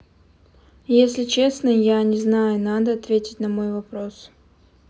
если честно я не знаю надо ответь на мой вопрос